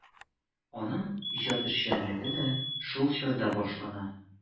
Аның иҗат эшчәнлеге дә шул чорда башлана.